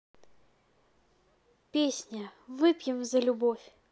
песня выпьем за любовь